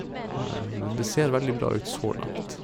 Det ser veldig bra ut så langt.